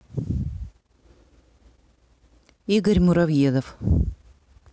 игорь муравьедов